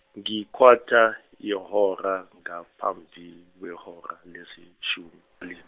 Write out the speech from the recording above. yikwata yehora ngaphambi kwehora leshumi .